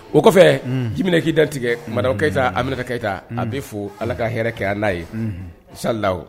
O kɔfɛ jimina k'i datigɛ marada keyita amina keyita a bɛ fo ala ka hɛrɛɛɛrɛ kɛyadaa ye salila